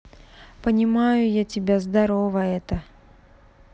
понимаю я тебя здарова это